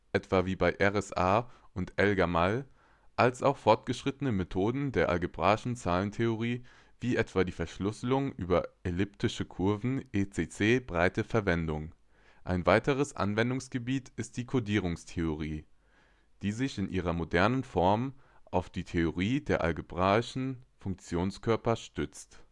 etwa bei RSA oder Elgamal) als auch fortgeschrittene Methoden der algebraischen Zahlentheorie wie etwa die Verschlüsselung über elliptische Kurven (ECC) breite Anwendung. Ein weiteres Anwendungsgebiet ist die Codierungstheorie, die sich in ihrer modernen Form auf die Theorie der algebraischen Funktionenkörper stützt